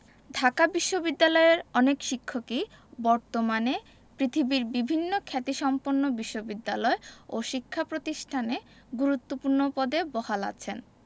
ঢাকা বিশ্ববিদ্যালয়ের অনেক শিক্ষকই বর্তমানে পৃথিবীর বিভিন্ন খ্যাতিসম্পন্ন বিশ্ববিদ্যালয় ও শিক্ষা প্রতিষ্ঠানে গুরুত্বপূর্ণ পদে বহাল আছেন